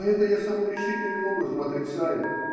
– Это я самым решительным образом отрицаю.